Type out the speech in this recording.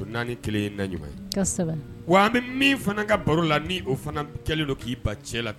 Naani kelen na ɲuman an bɛ min fana ka baro la ni o fana kelen don k'i ba cɛ la